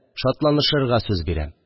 Шатланышырга сүз бирәм